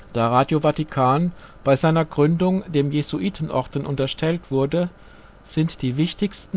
Radio Vatikan bei seiner Gründung dem Jesuitenorden unterstellt wurde, sind die wichtigsten